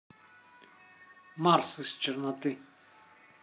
марс из черноты